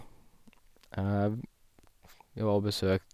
Vi var og besøk...